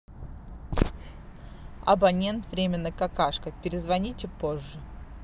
абонент временно какашка перезвоните позже